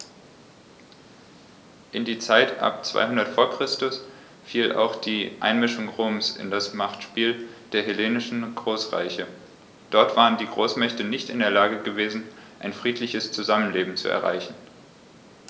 In die Zeit ab 200 v. Chr. fiel auch die Einmischung Roms in das Machtspiel der hellenistischen Großreiche: Dort waren die Großmächte nicht in der Lage gewesen, ein friedliches Zusammenleben zu erreichen.